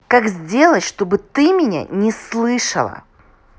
как сделать чтобы ты меня не слышала